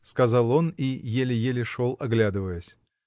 — сказал он и еле-еле шел, оглядываясь.